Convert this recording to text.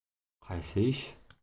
qaysi ish